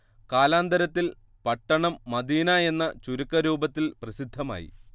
കാലാന്തരത്തിൽ പട്ടണം മദീന എന്ന ചുരുക്കരൂപത്തിൽ പ്രസിദ്ധമായി